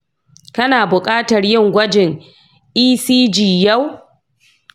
kana buƙatar yin gwajin ecg yau.